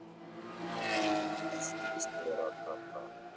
а четыре спел ра та та